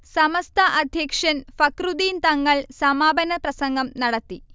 സമസ്ത അധ്യക്ഷൻ ഫഖ്റുദ്ദീൻ തങ്ങൾ സമാപന പ്രസംഗം നടത്തി